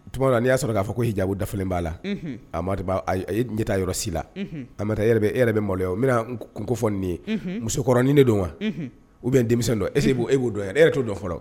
Tuma n'i y'a sɔrɔ'a fɔ ko k'i jago da b'a la ata yɔrɔ si la a bɛ taa yɛrɛ e yɛrɛ bɛ maloyɔ ye o bɛna kun kofɔ nin ye musokɔrɔnin ne don wa u bɛ denmisɛnmi dɔn e se b' b' don yɛrɛ to dɔn fɔlɔ